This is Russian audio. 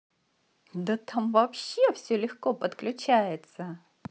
да там вообще все легко подключается